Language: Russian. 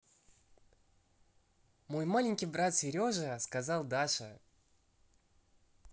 мой маленький брат сережа сказал даша